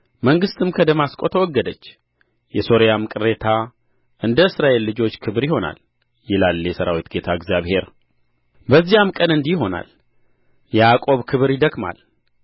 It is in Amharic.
መንግሥትም ከደማስቆ ተወገደች የሶርያም ቅሬታ እንደ እስራኤል ልጆች ክብር ይሆናል ይላል የሠራዊት ጌታ እግዚአብሔር በዚያም ቀን እንዲህ ይሆናል የያዕቆብ ክብር ይደክማል